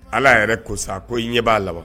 Alaa yɛrɛ ko sa ko ɲɛ b'a la wa